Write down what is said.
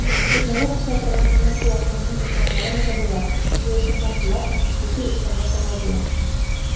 Үрмәләп үсә торган имән куаклыгының яфраклары ныгыдылар, җыерчыкландылар һәм көчле җил искәндә шауладылар.